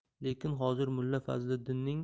lekin hozir mulla fazliddinning